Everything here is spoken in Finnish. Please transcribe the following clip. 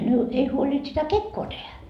ei ei huolinut sitä kekoa tehdä